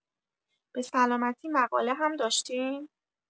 بسلامتی مقاله هم داشتین؟